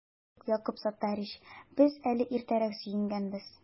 Юк, Якуб Саттарич, без әле иртәрәк сөенгәнбез